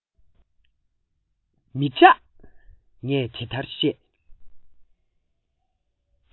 མི སྐྲག ངས དེ ལྟར བཤད